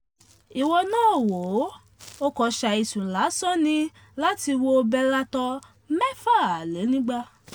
ìwọ náà wò ó, o kàn ṣàìsùn lásán ni láti wo Bellator 206.